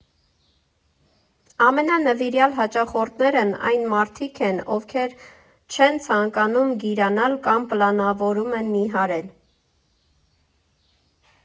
Ամենանվիրյալ հաճախորդներն այն մարդիկ են, ովքեր չեմ ցանկանում գիրանալ կամ պլանավորում են նիհարել։